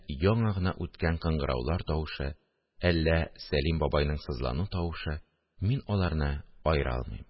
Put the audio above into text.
Яңа гына үткән кыңгыраулар тавышы, әллә сәлим бабайның сызлану тавышы – мин аларны аера алмыйм